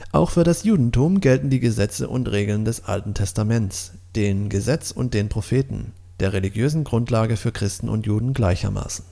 Auch für das Judentum gelten die Gesetze und Regeln des Alten Testaments, dem „ Gesetz und den Propheten “, der religiösen Grundlage für Christen und Juden gleichermaßen